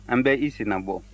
an bɛ i sennabɔ